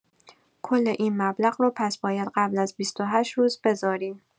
کل این مبلغ رو پس باید قبل از ۲۸ روز بذاریم؟